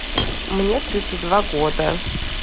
мне тридцать два года